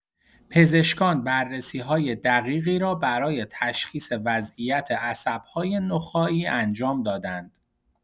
پزشکان بررسی‌های دقیقی را برای تشخیص وضعیت عصب‌های نخاعی انجام دادند.